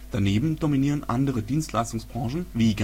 Daneben dominieren andere Dienstleistungsbranchen, wie